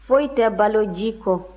foyi tɛ balo ji kɔ